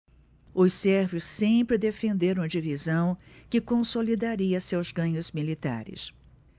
os sérvios sempre defenderam a divisão que consolidaria seus ganhos militares